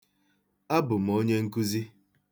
Abụ m onyenkụzi.